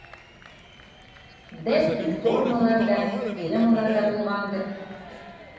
Бәлки формалар да, темалар да булгандыр.